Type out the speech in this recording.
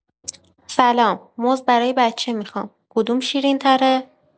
سلام، موز برای بچه می‌خوام، کدوم شیرین‌تره؟